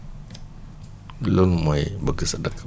loolu mooy bëgg sa dëkk